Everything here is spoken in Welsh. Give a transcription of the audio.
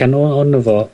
...o ohono fo...